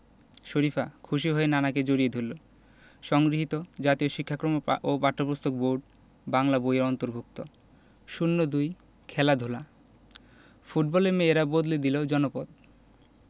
শরিফা খুশি হয়ে নানাকে জড়িয়ে ধরল সংগৃহীত জাতীয় শিক্ষাক্রম ও পাঠ্যপুস্তক বোর্ড বাংলা বই এর অন্তর্ভুক্ত ০২ খেলাধুলা ফুটবলে মেয়েরা বদলে দিল জনপদ